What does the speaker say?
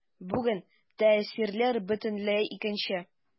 Бүген тәэсирләр бөтенләй икенче.